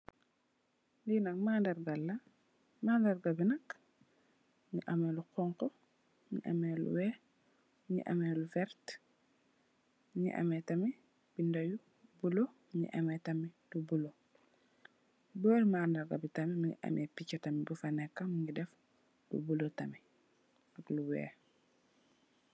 Lee nak manargal la manarga be nak munge am lu xonxo munge ameh lu weex munge ameh lu verte munge ameh tamin beda yu bulo munge ameh tamin lu bulo bore manarga tamin munge ameh picha tamin bufa neka def lu bulo tamin ak lu weex.